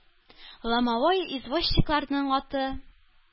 Ломовой извозчикларның аты